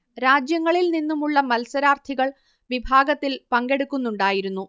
രാജ്യങ്ങളിൽ നിന്നുമുള്ള മത്സരാർത്ഥികൾ വിഭാഗത്തിൽ പങ്കെടുക്കുന്നുണ്ടായിരുന്നു